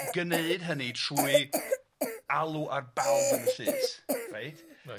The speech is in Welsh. gneud hynny trwy alw ar bawb yn y llys reit? Reit.